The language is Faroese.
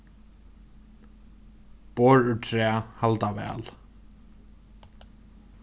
borð úr træ halda væl